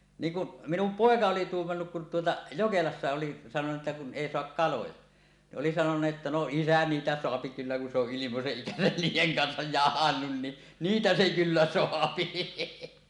niin kun minun poika oli tuumannutkin kun tuota Jokelassa oli sanoneet että kun ei saa kaloja niin oli sanonut että no isä niitä saa kyllä kun se on ilmoisen ikänsä niiden kanssa jahdannut niin niitä se kyllä saa